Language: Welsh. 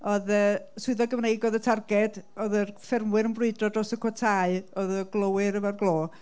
Oedd y swyddfa Gymreig oedd y targed, oedd yr ffermwyr yn brwydro dros y cwotâu, oedd y glowyr efo'r glo.